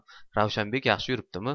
ravshanbek yaxshi yuribdimi